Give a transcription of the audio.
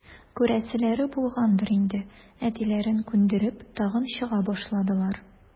Күрәселәре булгандыр инде, әтиләрен күндереп, тагын чыга башладылар.